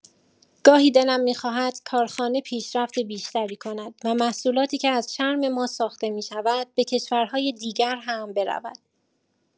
گاهی دلم می‌خواهد کارخانه پیشرفت بیشتری کند و محصولاتی که از چرم ما ساخته می‌شود، به کشورهای دیگر هم برود.